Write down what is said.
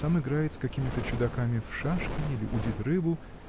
а сам играет с какими-то чудаками в шашки или удит рыбу.